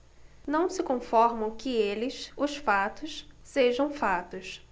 não se conformam que eles os fatos sejam fatos